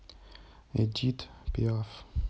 эдит пиаф